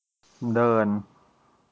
เดิน